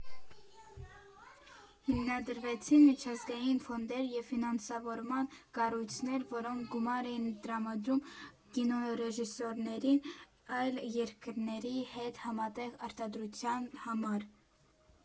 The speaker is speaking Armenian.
Հիմնադրվեցին միջազգային ֆոնդեր և ֆինանսավորման կառույցներ, որոնք գումար էին տրամադրում կինոռեժիսորներին այլ երկրների հետ համատեղ արտադրության համար։